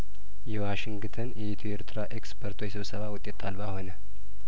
የዋሽንግተን የኢትዮ ኤርትራ ኤክስፐርቶች ስብሰባ ውጤት አልባ ሆነ